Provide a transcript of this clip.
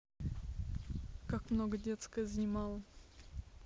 как много детская занимала